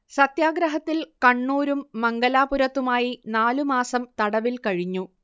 സത്യാഗ്രഹത്തിൽ കണ്ണൂരും മംഗലാപുരത്തുമായി നാലു മാസം തടവിൽ കഴിഞ്ഞു